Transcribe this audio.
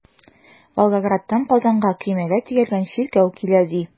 Волгоградтан Казанга көймәгә төялгән чиркәү килә, ди.